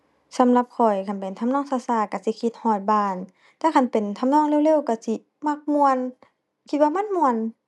สำหรับข้อยคันเป็นทำนองช้าช้าช้าสิคิดฮอดบ้าน แต่คันเป็นทำนองเร็วเร็วช้าสิมักม่วน คิดว่ามันม่วน